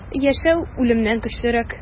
Яшәү үлемнән көчлерәк.